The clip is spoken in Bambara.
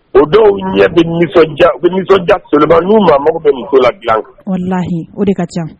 O dɔw ɲɛ bɛ nisɔndiya u bɛ nisɔndiya seulement n'u maaya mako bɛ muso la gilan kan walahi o de ka ca.